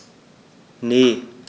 Ne.